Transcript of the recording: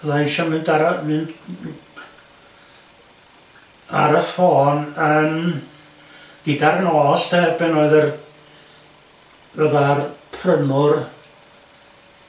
isio mynd ar y myn- myn-... ar y ffôn yn gyda'r nôs de? Pan oedd yr fatha'r prynnwr